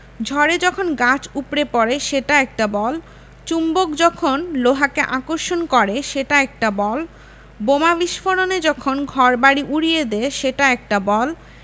ঝড়ে যখন গাছ উপড়ে পড়ে সেটা একটা বল চুম্বক যখন লোহাকে আকর্ষণ করে সেটা একটা বল বোমা বিস্ফোরণে যখন ঘরবাড়ি উড়িয়ে দেয় সেটা একটা বল